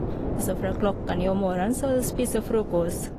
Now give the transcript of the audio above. Og så fra klokka ni om morgenen så spise frokost.